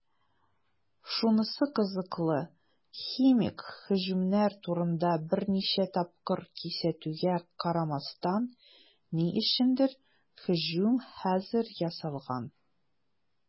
Шунысы кызыклы, химик һөҗүмнәр турында берничә тапкыр кисәтүгә карамастан, ни өчендер һөҗүм хәзер ясалган.